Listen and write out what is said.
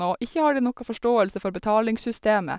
Og ikke har de nokka forståelse for betalingssystemet.